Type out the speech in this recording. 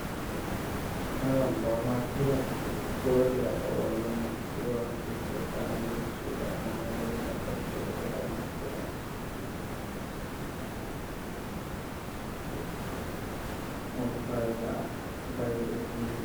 Waa caadado waxaa ku jira karaan waxaa ku sawiran fakaado xaaladaha midabkooda waa cagaar furka waa caddaan